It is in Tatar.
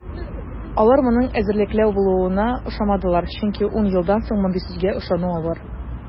Алар моның эзәрлекләү булуына ышанмадылар, чөнки ун елдан соң мондый сүзгә ышану авыр.